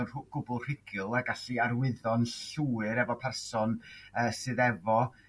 yn rhw- gwbl rhugl a gallu arwyddo'n llwyr efo person ee sydd efo